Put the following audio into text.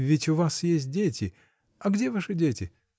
Ведь у вас есть дети — а где ваши дети?